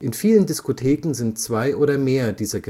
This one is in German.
vielen Discotheken sind zwei oder mehr dieser